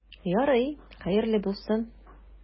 Ярый, хәерле булсын.